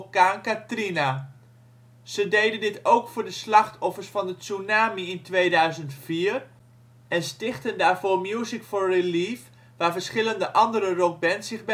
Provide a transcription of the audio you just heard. Katrina. Ze deden dit ook voor de slachtoffers van de tsunami in 2004 en stichtten daarvoor Music for Relief, waar verschillende andere rockbands zich